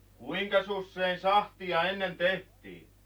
kuinkas usein sahtia ennen tehtiin